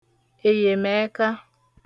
èyèmẹka